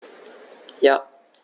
Ja.